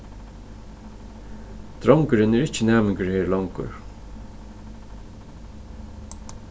drongurin er ikki næmingur her longur